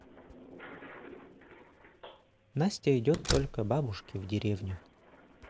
настя идет только бабушке в деревню